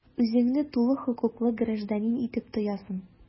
Үзеңне тулы хокуклы гражданин итеп тоясың.